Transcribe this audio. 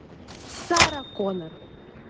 сара коннор